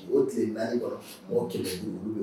O tile kɔrɔ mɔgɔ ki sigi olu